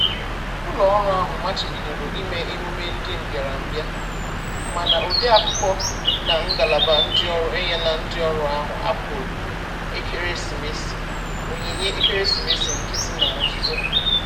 Ụlọọrụ ahụ machibidoro ime emume ndị mbịarambịa. Mana odeakwụkwọ na ngalaba ndịọrụ enyela ndịọrụ ahụ apụl ekeresimesi [onyinye ekeresimesi nkịtị] na nzuzo.